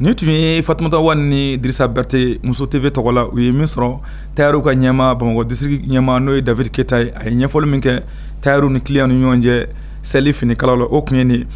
Nin tun ye fatutɔ sabatɛ muso tebe tɔgɔla u ye min sɔrɔ tariw ka ɲɛma bamakɔdi ɲɛma n' ye dabiketa ye a ye ɲɛfɔli min kɛ tariw ni kiya ni ɲɔgɔn cɛ seli fkala la o tun ye de